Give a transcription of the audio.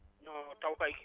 non taw kay